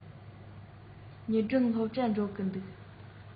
ཉི སྒྲོན སློབ གྲྭར འགྲོ གི འདུག